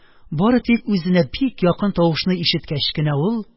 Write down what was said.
Бары тик үзенә бик якын тавышны ишеткәч кенә, ул,